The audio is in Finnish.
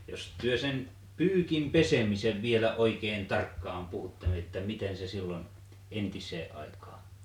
jos te sen pyykin pesemisen vielä oikein tarkkaan puhutte niin että miten se silloin entiseen aikaan